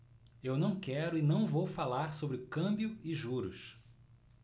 eu não quero e não vou falar sobre câmbio e juros